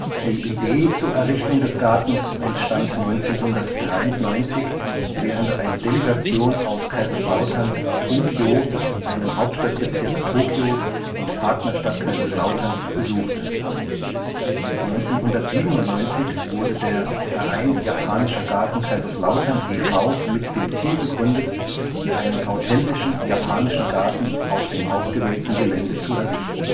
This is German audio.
Die Idee zur Errichtung des Gartens entstand 1993, während eine Delegation aus Kaiserslautern Bunkyō – einen Hauptstadtbezirk Tokios und Partnerstadt Kaiserslauterns – besuchte. 1997 wurde der Verein Japanischer Garten Kaiserslautern e. V. mit dem Ziel gegründet, einen authentischen Japanischen Garten auf dem ausgewählten Gelände zu errichten